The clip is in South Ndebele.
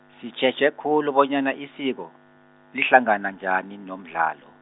sitjheje khulu bonyana isiko, lihlangana njani nomdlalo.